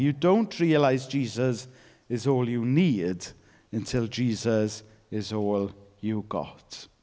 "You don't realise Jesus is all you need until Jesus is all you got."